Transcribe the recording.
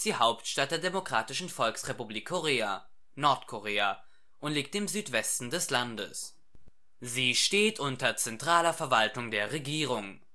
Hauptstadt der Demokratischen Volksrepublik Korea (Nordkorea) und liegt im Südwesten des Landes. Sie steht unter zentraler Verwaltung der Regierung